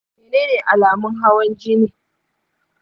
menene alamun hawan jini?